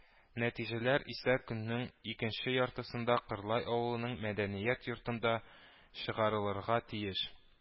Нәтиҗәләр исә көннең икенче яртысында Кырлай авылының Мәдәният йортында чыгарылырга тиеш